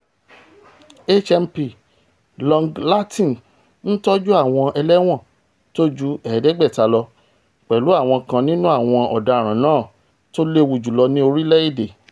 HMP Long Lartin ń tọ́jú àwọn ẹlẹ́wọn tóju ẹ̀ẹ́dẹ̀gbẹ̀ta lọ, pẹ̀lú àwọn kan nínú àwọn ọ̀daràn náà tóléwu jùlọ ní orílẹ̀-èdè.